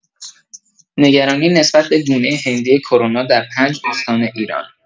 نگرانی نسبت به گونه هندی کرونا در پنج استان ایران